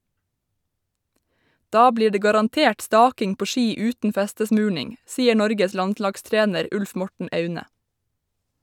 Da blir det garantert staking på ski uten festesmurning, sier Norges landslagstrener Ulf Morten Aune.